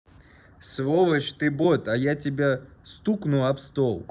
сволочь ты бот я тебя стукну об стол